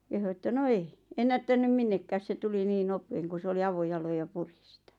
kehui että no ei ennättänyt minnekään se tuli niin nopeasti kun se oli avojaloin ja puri sitä